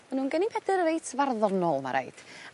Ma' nw'n gennin Pedyr reit farddonol ma' raid.